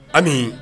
Hali